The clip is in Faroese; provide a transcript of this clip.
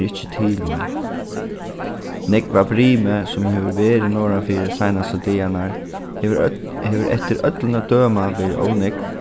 er ikki til meir nógva brimið sum hevur verið norðanfyri seinastu dagarnar hevur hevur eftir øllum at døma verið ov nógv